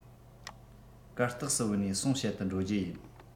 གར སྟེགས སུ བུད ནས གསུང བཤད དུ འགྲོ རྒྱུ ཡིན